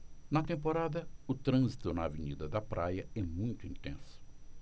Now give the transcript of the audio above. na temporada o trânsito na avenida da praia é muito intenso